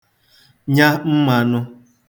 nya mmānụ̄